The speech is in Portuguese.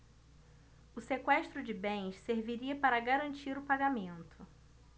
o sequestro de bens serviria para garantir o pagamento